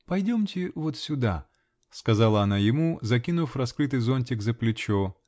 -- Пойдемте -- вот сюда, -- сказала она ему, закинув раскрытый зонтик за плечо.